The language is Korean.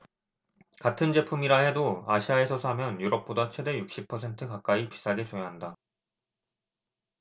같은 제품이라 해도 아시아에서 사면 유럽보다 최대 육십 퍼센트 가까이 비싸게 줘야 한다